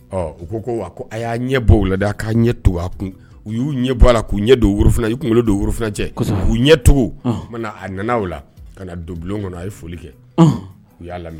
U ko ko a ko a y'a ɲɛbɔ lada a k'a ɲɛ to a kun u y'u ɲɛ bɔ la k'u ɲɛ don worofna i kunkolo don worouruf cɛ k u ɲɛ tugu a nana la ka na don bulon kɔnɔ a ye foli kɛ u y'a laminɛ